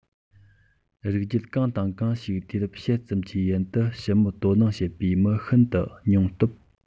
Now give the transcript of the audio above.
རིགས རྒྱུད གང དང གང ཞིག དུས རབས ཕྱེད ཙམ གྱི ཡན དུ ཞིབ མོར དོ སྣང བྱེད པའི མི ཤིན ཏུ ཉུང སྟབས